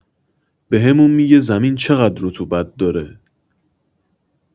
بهمون می‌گه زمین چه‌قدر رطوبت داره.